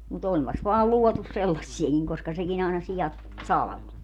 mutta onpas vain luotu sellaisiakin koska sekin aina siat salvoi